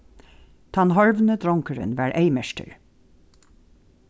tann horvni drongurin var eyðmerktur